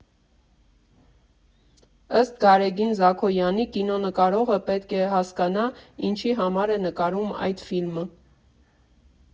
Ըստ Գարեգին Զաքոյանի՝ կինո նկարողը պետք է հասկանա՝ ինչի համար է նկարում այդ ֆիլմը.